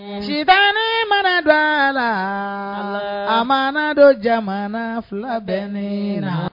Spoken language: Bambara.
Sitanɛ mana don a la alaa a mana don jamana fila bɛ ninn na